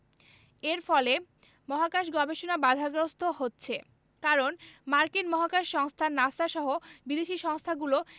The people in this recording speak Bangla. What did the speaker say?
এর ফলে মহাকাশ গবেষণা বাধাগ্রস্ত হচ্ছে কারণ মার্কিন মহাকাশ সংস্থা নাসা সহ বিদেশি সংস্থাগুলো